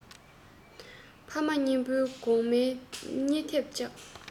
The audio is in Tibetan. ཕ མ གཉིས པོའི དགོང མོའི གཉིད ཐེབས བཅག